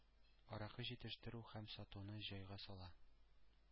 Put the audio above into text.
Аракы җитештерү һәм сатуны җайга сала